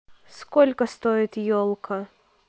сколько стоит елка